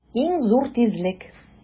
Иң зур тизлек!